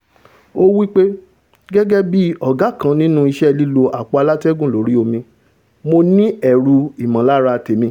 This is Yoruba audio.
ó wí pé ''Gẹ́gẹ́bí ọ̀gá kan nínú iṣẹ́ lílo àpò alátẹ́gùn lórí omi, Mo ní ẹrù ìmọ̀lára tèmi''́.